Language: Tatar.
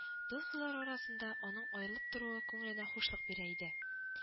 Дус кызлар арасында аның аерылып торуы күңеленә хушлык бирә иде